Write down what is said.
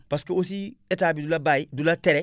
parce que aussi état bi du la bàyyi du la tere